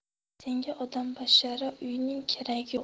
senga odambashara uyning keragi yo'q